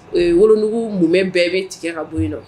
U ye wolounduguugu munbɛnbɛn bɛ tigɛ ka bɔ yen nɔ